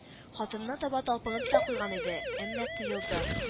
Хатынына таба талпынып та куйган иде, әмма тыелды